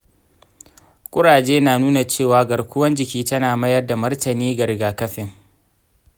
kuraje na nuna cewa garkuwar jiki tana mayar da martani ga rigakafin.